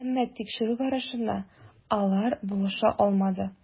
Әмма тикшерү барышына алар булыша алмады.